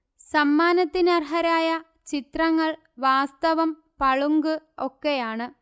സമ്മാനത്തിനർഹരായ ചിത്രങ്ങൾ വാസ്തവം പളുങ്ക് ഒക്കെയാണ്